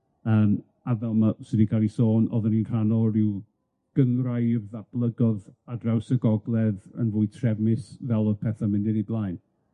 yym a fel ma' sy 'di ca'l 'i sôn, oedden ni'n rhan o ryw gynghrair ddatblygodd ar draws y gogledd yn fwy trefnus fel o'dd pethe'n mynd yn 'i blaen,